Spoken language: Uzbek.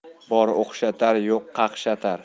bor o'xshatar yo'q qaqshatar